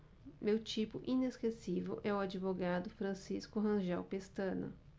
meu tipo inesquecível é o advogado francisco rangel pestana